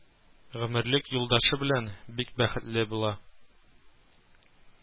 Гомерлек юлдашы белән бик бәхетле була